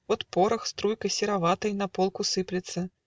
Вот порох струйкой сероватой На полку сыплется.